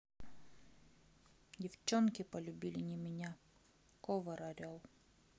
девчонки полюбили не меня cover орел